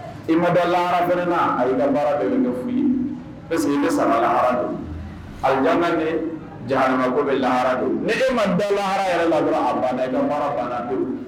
E ma da lara yɛrɛ nna ara dɔ min kɛ foyi ye pseke bɛ sama lahara don a yan jarako bɛ lahara don e mada lara yɛrɛ la don